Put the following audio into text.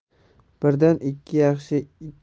birdan ikki yaxshi